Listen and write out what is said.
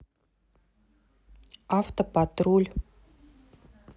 авто патруль